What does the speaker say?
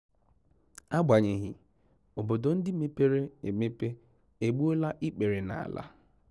Agbanyeghị, obodo ndị mepere emepe egbuola ikpere n'ala.